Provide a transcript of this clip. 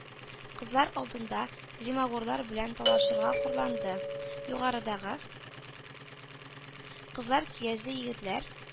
Кызлар алдында зимагурлар белән талашырга хурланды. югарыдагы кызлар, көяз егетләр,